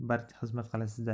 bir xizmat qilasizda